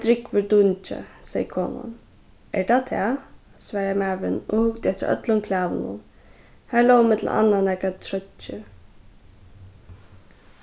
drúgvur dungi segði konan er tað tað svaraði maðurin og hugdi eftir øllum klæðunum har lógu millum annað nakrar troyggju